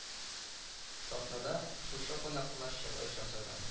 Тантанада шушы кунаклар чыгыш ясады